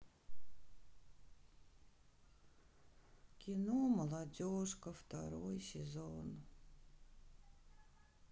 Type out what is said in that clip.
кино молодежка второй сезон